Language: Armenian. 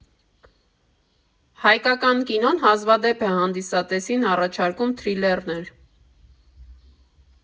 Հայկական կինոն հազվադեպ է հանդիսատեսին առաջարկում թրիլերներ։